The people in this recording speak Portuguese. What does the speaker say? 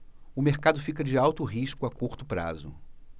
o mercado fica de alto risco a curto prazo